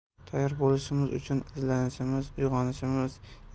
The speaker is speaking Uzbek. tayyor bo'lishimiz uchun izlanishimiz uyg'onishimiz